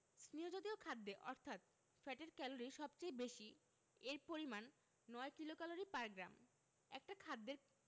স্নেহ জাতীয় খাদ্যে অর্থাৎ ফ্যাটের ক্যালরি সবচেয়ে বেশি এর পরিমান ৯ কিলোক্যালরি পার গ্রাম একটা খাদ্যের